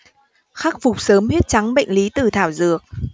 khắc phục sớm huyết trắng bệnh lý từ thảo dược